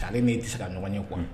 Sa de tɛ se ka ɲɔgɔn ye kuwa